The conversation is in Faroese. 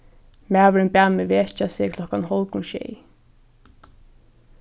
maðurin bað meg vekja seg klokkan hálvgum sjey